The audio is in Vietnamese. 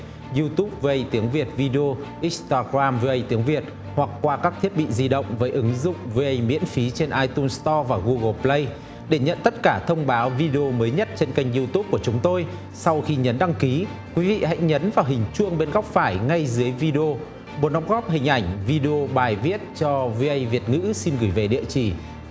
iu túp vi ô ây tiếng việt vi đi ô in ta ram với vi ô ây tiếng việt hoặc qua các thiết bị di động với ứng dụng về miễn phí trên ai tun sờ to và hu gồ bờ lây để nhận tất cả thông báo video mới nhất trên kênh iu túp của chúng tôi sau khi nhấn đăng ký quý vị hãy nhấn vào hình chuông bên góc phải ngay dưới vi đi ô muốn đóng góp hình ảnh vi đi ô bài viết cho vi ô ây việt ngữ xin gửi về địa chỉ